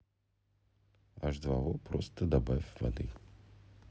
аш два о просто добавь воды